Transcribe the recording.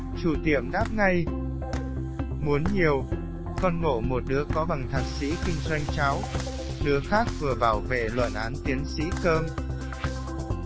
chủ tiệm muốn nhiều con ngộ một đứa có bằng thạc sĩ kinh doanh cháo đứa khác vừa bảo vệ luận án tiến sĩ cơm